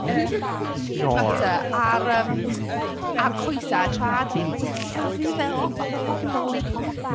Dwi 'di rhoi bach o shea butter ar yym ar coesau a traed fi a mae just yn llyfu fe off, fatha fuckin’ lollipop.